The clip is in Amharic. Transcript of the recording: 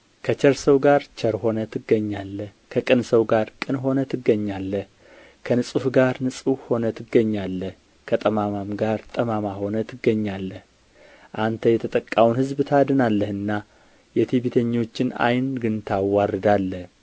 ከቸር ሰው ጋር ቸር ሆነህ ትገኛለህ ከቅን ሰው ጋር ቅን ሆነህ ትገኛለህ ከንጹሕ ጋር ንጹሕ ሆነህ ትገኛለህ ከጠማማም ጋር ጠማማ ሆነህ ትገኛለህ አንተ የተጠቃውን ሕዝብ ታድናለህና የትዕቢተኞችን ዓይን ግን ታዋርዳለህ